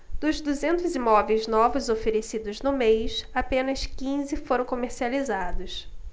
dos duzentos imóveis novos oferecidos no mês apenas quinze foram comercializados